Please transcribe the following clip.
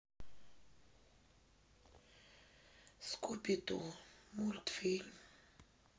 скуби ду мультфильм